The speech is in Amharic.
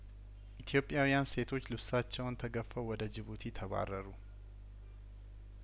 ኢትዮጵያውያን ሴቶች ልብሳቸውን ተገፈው ወደ ጅቡቲ ተባረሩ